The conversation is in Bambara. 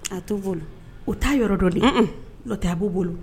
A t'u bolo? u taa yɔrɔ dɔ de, unun, n'o tɛ a b'u bolo